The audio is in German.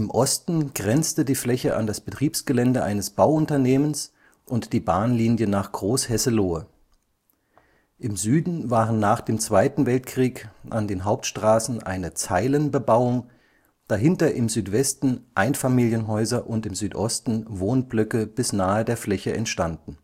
Osten grenzte die Fläche an das Betriebsgelände eines Bauunternehmens und die Bahnlinie nach Großhesselohe. Im Süden waren nach dem Zweiten Weltkrieg an den Hauptstraßen eine Zeilenbebauung, dahinter im Südwesten Einfamilienhäuser und im Südosten Wohnblöcke bis nahe der Fläche entstanden